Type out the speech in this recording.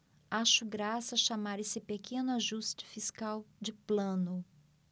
acho graça chamar esse pequeno ajuste fiscal de plano